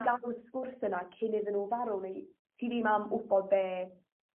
...ga'l y sgwrs yna cyn iddyn n'w farw neu ti ddim am wbod be'...